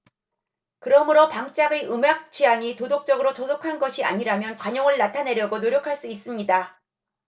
그러므로 방짝의 음악 취향이 도덕적으로 저속한 것이 아니라면 관용을 나타내려고 노력할 수 있습니다